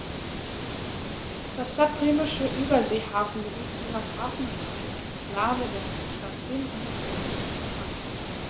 Das Stadtbremische Überseehafengebiet Bremerhaven ist eine Exklave der Stadt Bremen innerhalb von Bremerhaven.